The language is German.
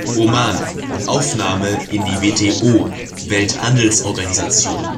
Oman: Aufnahme in die WTO (Welthandelsorganisation